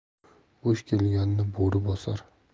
bo'sh kelganni bo'ri bosar